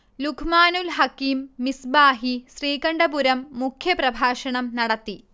ലുഖ്മാനുൽ ഹക്കീം മിസ്ബാഹി ശ്രീകണ്ഠപുരം മുഖ്യ പ്രഭാഷണം നടത്തി